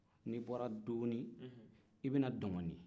n'i bɔra dooni i bɛ na dɔngɔni